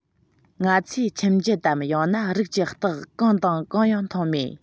ང ཚོས ཁྱིམ རྒྱུད དམ ཡང ན རིགས ཀྱི རྟགས གང དང གང ཡང མཐོང མེད